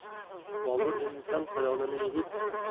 bobur endi sal xayolini